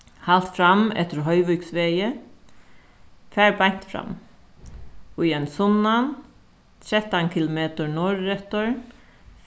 halt fram eftir hoyvíksvegi far beint fram í ein sunnan trettan kilometur norðureftir